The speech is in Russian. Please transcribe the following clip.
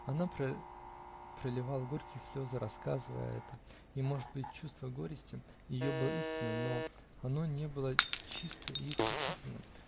Она проливала горькие слезы, рассказывая это, и, может быть, чувство горести ее было истинно, но оно не было чисто и исключительно.